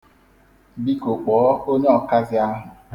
Biko kpọọ onye ọkazị ahụ.